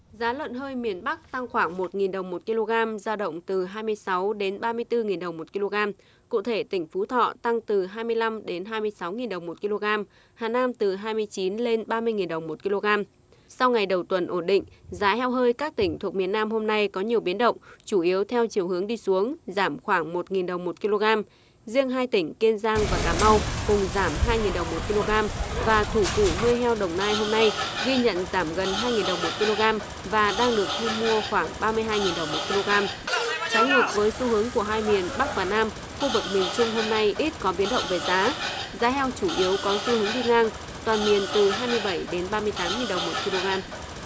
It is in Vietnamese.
giá lợn hơi miền bắc tăng khoảng một nghìn đồng một ki lô gam dao động từ hai mươi sáu đến ba mươi tư nghìn đồng một ki lô gam cụ thể tỉnh phú thọ tăng từ hai mươi lăm đến hai mươi sáu nghìn đồng một ki lô gam hà nam từ hai mươi chín lên ba mươi nghìn đồng một ki lô gam sau ngày đầu tuần ổn định giá heo hơi các tỉnh thuộc miền nam hôm nay có nhiều biến động chủ yếu theo chiều hướng đi xuống giảm khoảng một nghìn đồng một ki lô gam riêng hai tỉnh kiên giang và cà mau cùng giảm hai nghìn đồng một ki lô gam và thủ phủ nuôi heo đồng nai hôm nay ghi nhận giảm gần hai nghìn đồng một kg và đang được thu mua khoảng ba mươi hai nghìn đồng một ki lô gam trái ngược với xu hướng của hai miền bắc và nam khu vực miền trung hôm nay ít có biến động về giá giá heo chủ yếu có xu hướng đi ngang toàn liền từ hai mươi bảy đến ba mươi tám nghìn đồng một ki lô gam